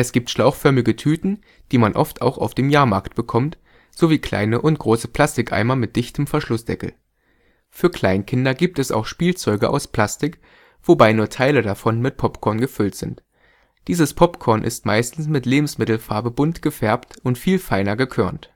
gibt schlauchförmige Tüten, die man oft auch auf dem Jahrmarkt bekommt, sowie kleine und große Plastikeimer mit dichtem Verschlussdeckel. Für Kleinkinder gibt es auch Spielzeuge aus Plastik, wobei nur Teile davon mit Popcorn gefüllt sind; dieses Popcorn ist meistens mit Lebensmittelfarbe bunt gefärbt und viel feiner gekörnt